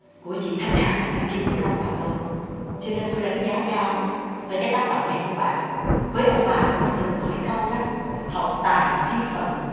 của chị thanh hằng anh kim tử long và tôi cho nên tôi đánh giá cao với cái tác phẩm này của bạn với ông bà ta thường nói câu học tài thi phận